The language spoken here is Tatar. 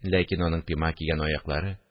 Ләкин аның пима кигән аяклары